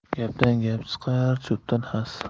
gapdan gap chiqar cho'pdan xas